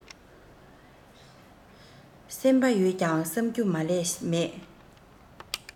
སེམས པ ཡོད ཀྱང བསམ རྒྱུ མ ལས མེད